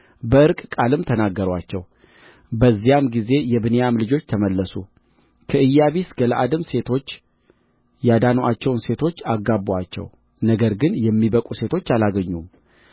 በዕርቅ ቃልም ተናገሩአቸው በዚያም ጊዜ የብንያም ልጆች ተመለሱ ከኢያቢስ ገለዓድም ሴቶች ያዳኑአቸውን ሴቶች አገቡአቸው ነገር ግን የሚበቁ ሴቶች አላገኙም